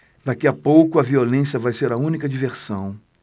daqui a pouco a violência vai ser a única diversão